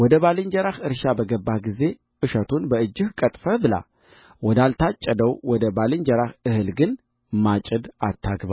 ወደ ባልንጀራህ እርሻ በገባህ ጊዜ እሸቱን በእጅህ ቀጥፈህ ብላ ወዳልታጨደው ወደ ባልንጀራህ እህል ግን ማጭድ አታግባ